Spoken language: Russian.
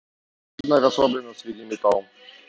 ладно расслаблено среди металл